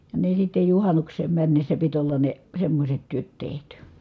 ja ne sitten juhannukseen mennessä piti olla ne semmoiset työt tehty